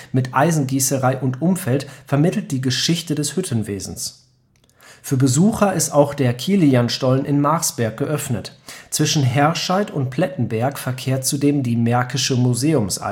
mit Eisengießerei und Umfeld vermittelt die Geschichte des Hüttenwesens. Für Besucher ist auch der Kilianstollen in Marsberg geöffnet. Zwischen Herscheid und Plettenberg verkehrt zudem die Märkische Museums-Eisenbahn